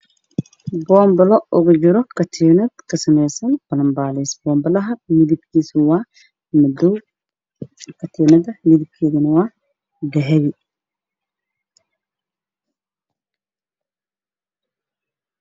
Meeshaan maxaa yeelo pampalo midabkiis yahay madow waxaa suran katin midabkiisa ay dahabi